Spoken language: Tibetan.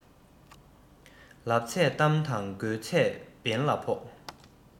ལབ ཚད གཏམ དང དགོས ཚད འབེན ལ ཕོག